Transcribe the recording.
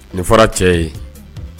Nin fɔra cɛ ye